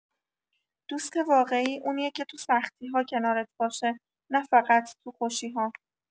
دوست واقعی اونیه که تو سختی‌ها کنارت باشه، نه‌فقط تو خوشی‌ها.